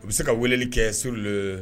U bɛ se ka weeleli kɛ sur le